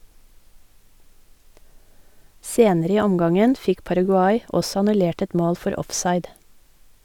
Senere i omgangen fikk Paraguay også annullert et mål for offside.